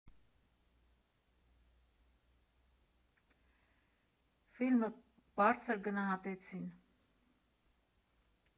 Ֆիլմը բարձր գնահատեցին։